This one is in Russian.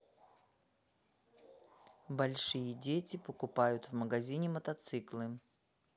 большие дети покупают в магазине мотоциклы